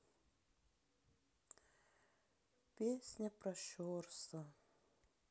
песня про щорса